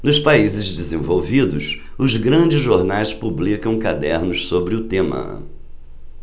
nos países desenvolvidos os grandes jornais publicam cadernos sobre o tema